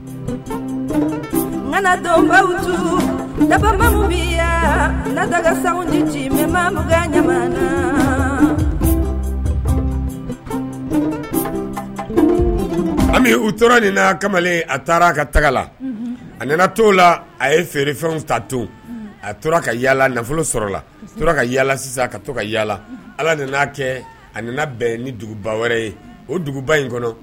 Ja ni ɲa u tora kamalen a taara a ka taga la a to la a ye feere fɛn ta a tora ka yaala nafolo sɔrɔ a tora ka yaala ka to ka yaala ala kɛ a bɛn ye ni duguba wɛrɛ ye o duguba in kɔnɔ